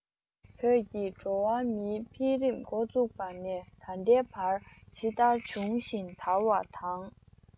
བོད ཀྱི འགྲོ བ མིའི འཕེལ རིམ མགོ བཙུགས པ ནས ད ལྟའི བར ཇི ལྟར བྱུང ཞིང དར བ དང